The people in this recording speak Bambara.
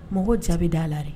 Mɔgɔw jaabi dalare